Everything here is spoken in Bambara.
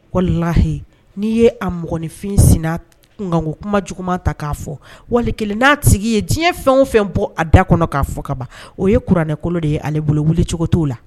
Walahi ni ye a mɔgɔninfin sina kunkan ko kuma juguman ta ka fɔ. Wali kelen na tigi ye diɲɛ fɛn o fɛn bɔ a da kɔnɔ ka fɔ ka ban o ye kuranɛkolo de ye ale bolo wuli cogo to la.